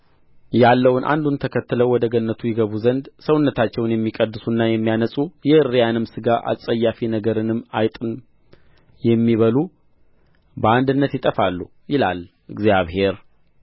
ያለውን አንዱን ተከትለው ወደ ገነቱ ይገቡ ዘንድ ሰውነታቸውን የሚቀድሱና የሚያነጹ የእሪያንም ሥጋ አስጸያፊ ነገርንም አይጥንም የሚበሉ በአንድነት ይጠፋሉ ይላል እግዚአብሔር